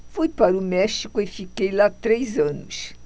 fui para o méxico e fiquei lá três anos